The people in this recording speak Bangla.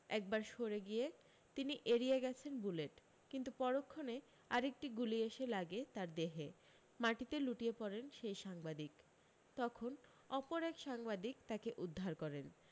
একবার সরে গিয়ে তিনি এড়িয়ে গেছেন বুলেট কিন্তু পরক্ষণে আর একটি গুলি এসে লাগে তার দেহে মাটিতে লুটিয়ে পড়েন সেই সাংবাদিক তখন অপর এক সাংবাদিক তাঁকে উদ্ধার করেন